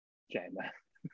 Gemma